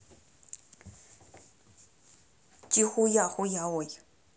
чихуя хуя ой